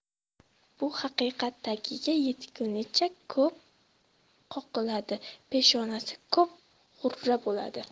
bu haqiqat tagiga yetgunicha ko'p qoqiladi peshonasi ko'p g'urra bo'ladi